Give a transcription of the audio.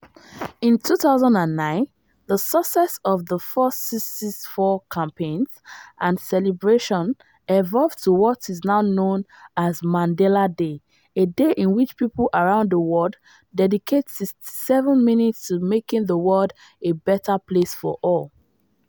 In 2009, the success of the 46664 campaigns and celebrations evolved to what is now known as “Mandela Day”, a day in which people around the world dedicate 67 minutes to making the world a better place for all.